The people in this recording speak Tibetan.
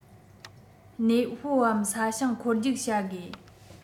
གནས སྤོའམ ས ཞིང འཁོར རྒྱུག བྱ དགོས